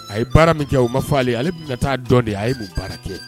A ye baara min kɛ u ma fɔale ale ale bɛ ka taa dɔn de ye a ye b'u baara kɛ